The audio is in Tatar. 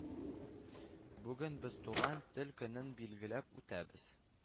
“бүген без туган тел көнен билгеләп үтәбез